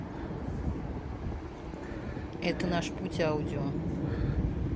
это наш путь аудио